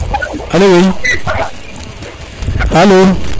alo oui